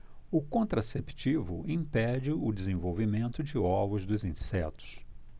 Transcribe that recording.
o contraceptivo impede o desenvolvimento de ovos dos insetos